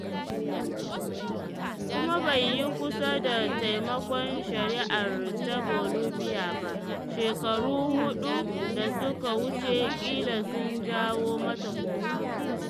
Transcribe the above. Kuma bai yi kusa da taimakon shari’ar ta Bolivia ba, shekaru huɗun da suka wuce kila sun jawo mata koma baya.